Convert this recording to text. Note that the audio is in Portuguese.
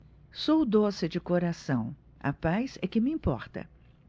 sou doce de coração a paz é que me importa